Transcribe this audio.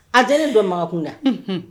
A deli don ma kun na